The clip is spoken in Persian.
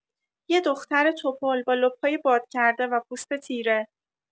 یه دختر تپل با لپای باد کرده و پوست تیره